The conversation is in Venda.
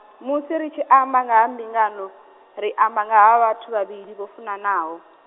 musi ri tshi amba nga ha mbingano, ri amba nga ha vhathu vhavhili vho funanaho.